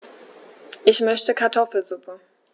Ich möchte Kartoffelsuppe.